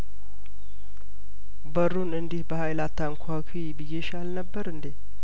በሩን እንዲህ በሀይል አታንኳኲ ብዬ ሽ አልነበር እንዴ